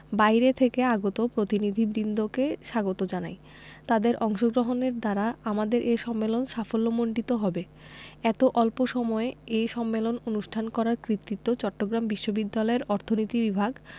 বাইরে থেকে আগত প্রতিনিধিবৃন্দকে স্বাগত জানাই তাদের অংশগ্রহণের দ্বারা আমাদের এ সম্মেলন সাফল্যমণ্ডিত হবে এত অল্প এ সম্মেলন অনুষ্ঠান করার কৃতিত্ব চট্টগ্রাম বিশ্ববিদ্যালয়ের অর্থনীতি বিভাগ